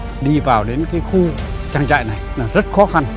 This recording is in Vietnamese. đi vào đến cái khu trang trại này là rất khó khăn